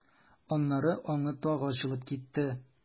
Аннары аңы тагы ачылып китте.